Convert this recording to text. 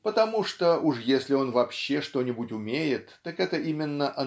потому что уж если он вообще что-нибудь умеет так это именно